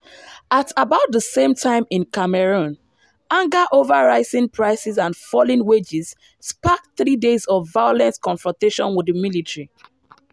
At about the same time in Cameroon, anger over rising prices and falling wages sparked three days of violent confrontation with the military.